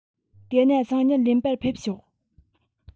དེ ན སང ཉིན ལེན པར ཕེབས ཤོག